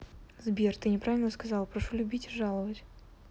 сбер ты неправильно сказал прошу любить и жаловаться